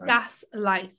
Gaslight.